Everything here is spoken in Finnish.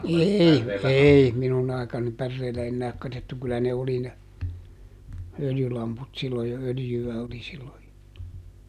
ei ei minun aikaani päreellä enää katsottu kyllä ne oli ne öljylamput silloin jo öljyä oli silloin jo